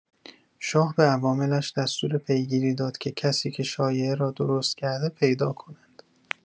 شاه به عواملش دستور پیگیری داد که کسی که شایعه را درست کرده پیدا کنند.